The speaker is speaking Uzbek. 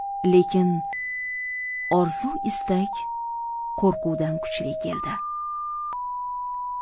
lekin orzu istak qo'rquvdan kuchli keldi